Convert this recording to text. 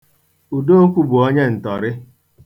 Udokwu bụ onyeǹtọ̀rị.